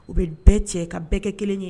U bɛ bɛɛ cɛ ka bɛɛ kɛ kelen ye